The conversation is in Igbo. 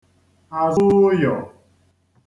azụụyọ̀